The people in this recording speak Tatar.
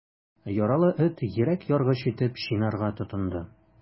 Яралы эт йөрәк яргыч итеп чинарга тотынды.